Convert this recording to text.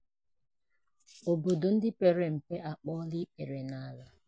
Obodo ndị mepere emepe a kpọọla ikpere n'ala